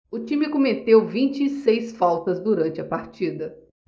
o time cometeu vinte e seis faltas durante a partida